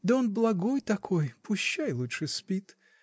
— Да он благой такой: пущай лучше спит!